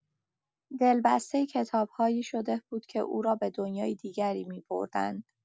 دلبسته کتاب‌هایی شده بود که او را به دنیای دیگری می‌بردند.